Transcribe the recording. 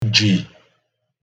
jì